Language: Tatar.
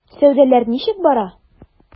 Сәүдәләр ничек бара?